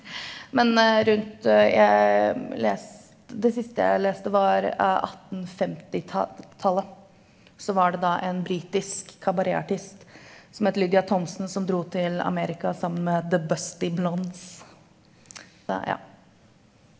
men rundt jeg det siste jeg leste var attenfemtitatallet så var det da en britisk kabaretartist som het Lydia Thompson som dro til Amerika sammen med da The Busty Blondes så ja.